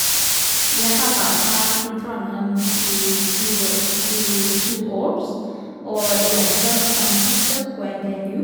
Jeg har vært her i Trondheim i tiå i to år, og jobber som postdoc på NTNU.